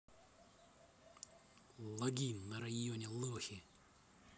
логин на районе лохи